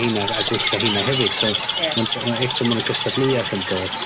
rheina a gwella rheina hefyd so... Ie. ... ma'n eto ma' 'na gystadleuaeth yn dod